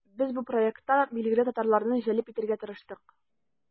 Без бу проектка билгеле татарларны җәлеп итәргә тырыштык.